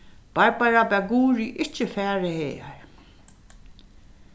barbara bað guðrið ikki fara hagar